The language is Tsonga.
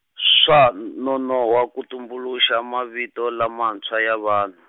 swa n- nonohwa ku tumbuluxa mavito lamantshwa ya vanhu.